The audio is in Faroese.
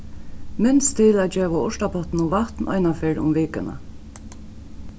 minst til at geva urtapottinum vatn einaferð um vikuna